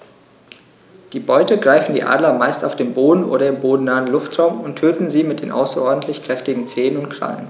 Die Beute greifen die Adler meist auf dem Boden oder im bodennahen Luftraum und töten sie mit den außerordentlich kräftigen Zehen und Krallen.